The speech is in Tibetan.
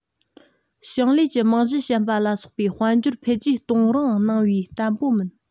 ཞིང ལས ཀྱི རྨང གཞི ཞན པ ལ སོགས པའི དཔལ འབྱོར འཕེལ རྒྱས གཏོང རིང གནས པའི བརྟན པོ མིན